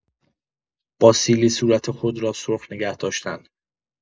با سیلی صورت خود را سرخ نگه‌داشتن